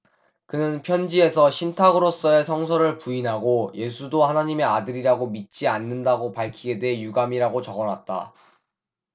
그는 편지에서 신탁으로써의 성서를 부인하고 예수도 하나님의 아들이라고 믿지 않는다고 밝히게 돼 유감이라고 적어놨다